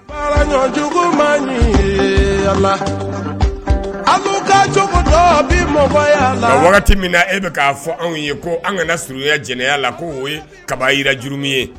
nka wagati minna e be ka fɔ anw ye ko an ŋana surunya jɛnɛya la ko o ye kabayira jurumu ye